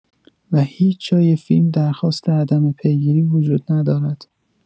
و هیچ جای فیلم درخواست عدم پیگیری وجود ندارد.